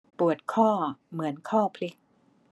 ปวดข้อเหมือนข้อพลิก